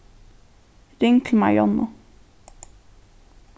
ring til marionnu